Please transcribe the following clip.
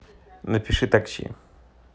напиши такси